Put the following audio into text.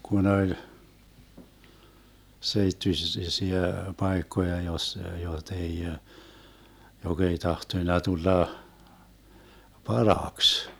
kun oli - seittyisiä paikkoja - jota ei joka ei tahtonut tulla parhaaksi